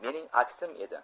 u mening aksim edi